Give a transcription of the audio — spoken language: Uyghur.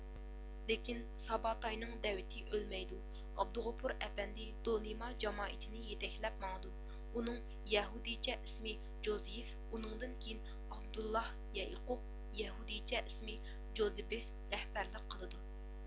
لېكىن ساباتاينىڭ دەۋىتى ئۆلمەيدۇ ئابدۇغوپۇر ئەپەندى دونىما جامائىتىنى يېتەكلەپ ماڭىدۇ ئۇنىڭ يەھۇدىيچە ئىسمى جوزىيف ئۇنىڭدىن كېيىن ئابدۇللاھ يەئىقۇب يەھۇدىيچە ئىسمى جوزىبف رەھبەرلىك قىلىدۇ